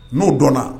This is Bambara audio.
N'o dɔn